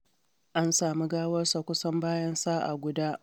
An sami gawarsa kusan bayan sa’a guda.